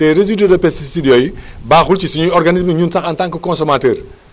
les résidus de pesticide yooyu baaxul si ñuy organisme ñun sax en tant que consommateur